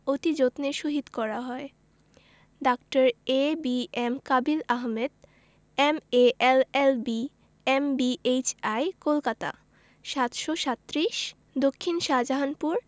অতি যত্নের সহিত করা হয় ডাঃ A B M Kabil Ahmed M A L L B M B H I Kolkata ৭৩৭ দক্ষিন শাহজাহানপুর